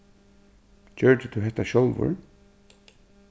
gjørdi tú hetta sjálvur